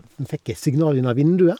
Nå fikk jeg signal gjennom vinduet.